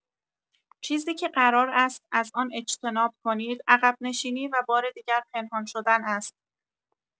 چیزی که قرار است از آن اجتناب کنید، عقب‌نشینی و بار دیگر پنهان‌شدن است.